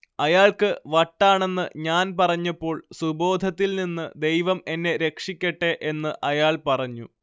അയാൾക്ക് വട്ടാണെന്ന് ഞാൻ പറഞ്ഞപ്പോൾ സുബോധത്തിൽ നിന്ന് ദൈവം എന്നെ രക്ഷിക്കട്ടെ എന്ന് അയാൾ പറഞ്ഞു